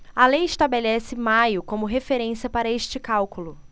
a lei estabelece maio como referência para este cálculo